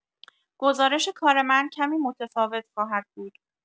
گزارش کار من کمی متفاوت خواهد بود.